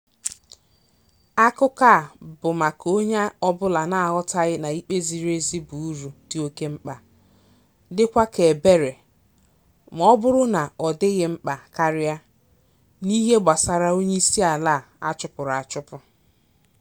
Akụkọ a bụ maka onye ọbụla na aghọtaghị na ikpe ziri ezi bụ uru dị oke mkpa, dịkwa ka ebere - maọbụrụ na ọ dịghị mkpa karịa, n'ihe gbasara onyeisiala a chụpụrụ achụpụ.